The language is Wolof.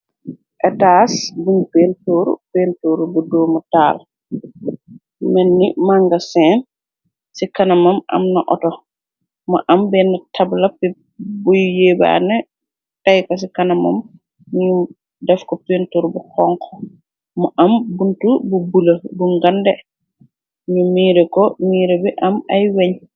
Etaas buñu penturr pentur bu doomu taal menni manga seen ci kana mam am na oto mo am benn tablapi buy yéebaane teyko ci kana mam ñu def ko pentur bu xonko mo am buntu bu bulë bu ngande ñu miire ko miire bi am ay weñ.